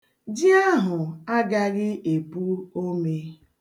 Ji ahụ agaghị epu ome.